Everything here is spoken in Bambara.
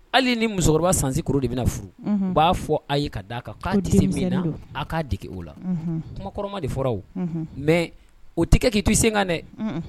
Hali ni musokɔrɔba san sikoro de bɛna furu unhun u b'a fɔ a' ye ka d'a kan ko demisɛnni don k'a tise min na a' ka dege o la unhun kumakɔrɔman de fɔra o mais o tɛ kɛ k'i to i senkan dɛ unhun